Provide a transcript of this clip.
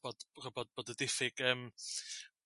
bo ch'bod bod y bod y diffyg yym